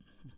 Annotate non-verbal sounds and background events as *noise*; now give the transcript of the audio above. *hesitation*